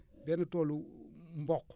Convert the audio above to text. benn toolu mboq